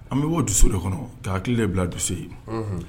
An bɛ bɔ dusu dɔ kɔnɔ k' hakililen bila dusu ye